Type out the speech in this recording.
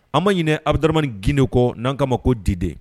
An ma ɲini abudrmani gnen kɔ n'an kama ma ko dide